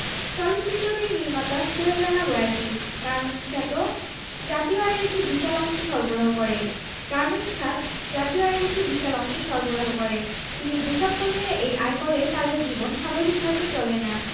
চলচ্চিত্রটির নির্মাতা সোহেল রানা বয়াতি গার্মেন্টস খাত জাতীয় আয়ের একটি বিশাল অংশ সরবারহ করে কিন্তু যেসব কর্মীরা এই আয় করে তাদের জীবন স্বাভাবিক ভাবে চলে না